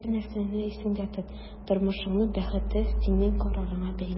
Бер нәрсәне исеңдә тот: тормышыңның бәхете синең карарыңа бәйле.